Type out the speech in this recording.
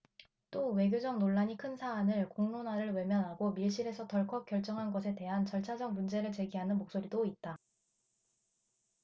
또 외교적 논란이 큰 사안을 공론화를 외면하고 밀실에서 덜컥 결정한 것에 대한 절차적 문제를 제기하는 목소리도 있다